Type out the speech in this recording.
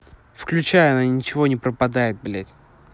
включай она ничего не пропадает блядь